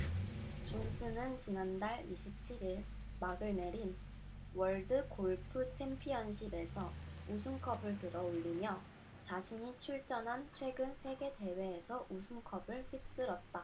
존슨은 지난달 이십 칠 일 막을 내린 월드골프챔피언십에서 우승컵을 들어 올리며 자신이 출전한 최근 세 개 대회에서 우승컵을 휩쓸었다